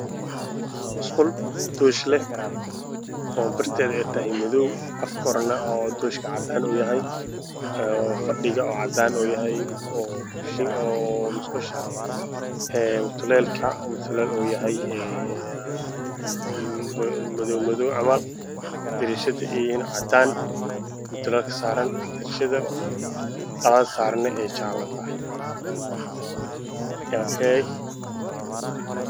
Waa musqul waxay leedahay muraayad tuubo cadaan mutuleelka cadaan